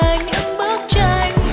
những bức tranh